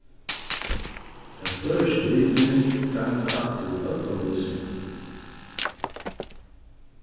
teir føroysku litirnir ganga aftur í øllum lýsingum